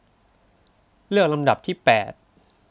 เลือกลำดับที่แปด